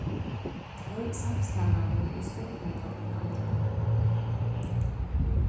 tey samstarvaðu við stjórnina í landinum